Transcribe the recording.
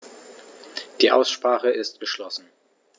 Die Aussprache ist geschlossen.